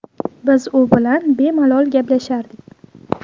biz u bilan bemalol gaplashardik